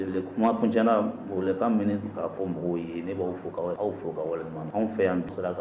Ele kumakuncɛ na o weelekan min be ne f k'a fɔ mɔgɔw ye ne b'aw fo k'aw wa aw fo k'aw waleɲumandɔn anw fɛ yan bi